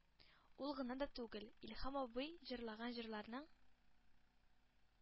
Ул гына да түгел, Илһам абый җырлаган җырларның,